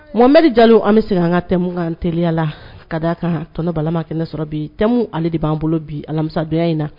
Bon mri ja an bɛ se an ka tɛmɛmkan teliya la ka d' a kan t balamakɛsɔrɔ bi te ale de b'an bolo bi alamisa in na